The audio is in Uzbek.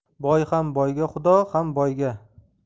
boy ham boyga xudo ham boyga